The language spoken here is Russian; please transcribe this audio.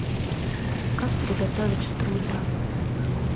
как приготовить штрудель